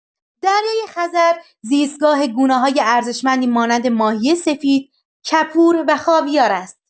دریای‌خزر زیستگاه گونه‌های ارزشمندی مانند ماهی سفید، کپور و خاویاری است.